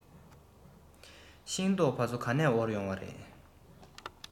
ཤིང ཏོག ཕ ཚོ ག ནས དབོར ཡོང བ རེད